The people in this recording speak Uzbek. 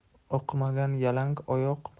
o'qimagan yalang oyoq